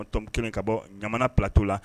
Tɔnon kelen ka bɔ ɲamana patɔ la